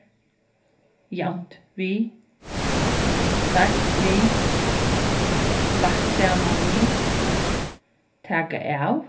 javnt við deilt við lagt saman við taka av